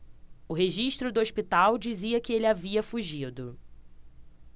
o registro do hospital dizia que ele havia fugido